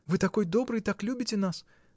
Вы такой добрый, так любите нас.